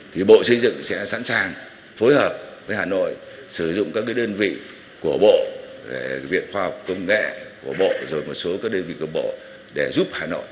thì bộ xây dựng sẽ sẵn sàng phối hợp với hà nội sử dụng các cái đơn vị của bộ ờ viện khoa học công nghệ của bộ dồi một số các đơn vị của bộ để giúp hà nội